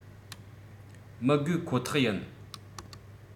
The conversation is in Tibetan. མི དགོས ཁོ ཐག ཡིན